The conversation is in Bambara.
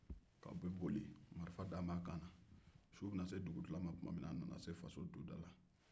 a bɛ boli marifa dalen b'a kan na a nana se faso donda la su dugutilama fɛ